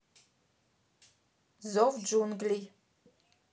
зов джунглей